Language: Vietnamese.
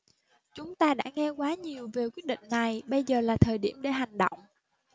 chúng ta đã nghe quá nhiều về quyết định này bây giờ là thời điểm để hành động